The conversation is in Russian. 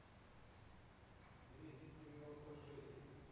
двести девяносто шесть